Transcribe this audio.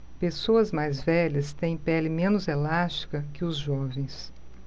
pessoas mais velhas têm pele menos elástica que os jovens